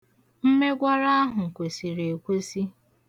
Mmegwara ahụ kwesiri ekwesi.